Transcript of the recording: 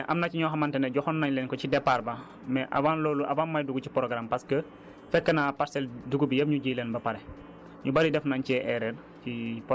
léegi yow baykat bi nga xamante ne am na ci ñoo xamante ne joxoon nañ leen ko ci départ ba mais avant loolu avant may dugg ci programme parce que fekk naa parcelle dugub yépp ñu ji leen ba pare